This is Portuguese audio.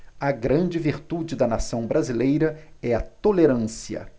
a grande virtude da nação brasileira é a tolerância